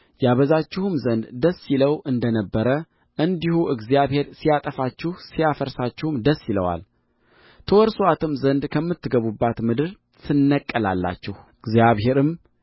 ያበዛችሁም ዘንድ ደስ ይለው እንደ ነበረ እንዲሁ እግዚአብሔር ሲያጠፋችሁ ሲያፈርሳችሁም ደስ ይለዋል ትወርሱአትም ዘንድ ከምትገቡባት ምድር ትነቀላላችሁ እግዚአብሔርም